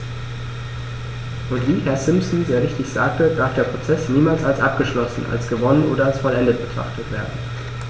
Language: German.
Und wie Herr Simpson sehr richtig sagte, darf der Prozess niemals als abgeschlossen, als gewonnen oder als vollendet betrachtet werden.